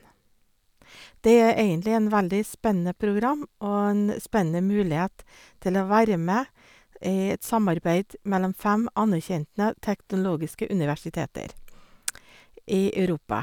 Det er egentlig en veldig spennende program og en spennende mulighet til å være med i et samarbeid mellom fem anerkjente teknologiske universiteter i Europa.